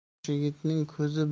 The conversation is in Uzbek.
yosh yigitning ko'zi